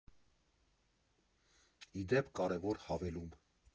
Ի դեպ, կարևոր հավելում.